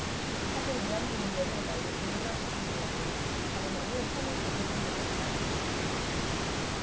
사실 위안부 문제를 널리 공론화시킨 주역은 다름아닌 한인고교생들이었다